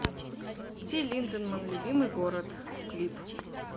тиль линдеманн любимый город клип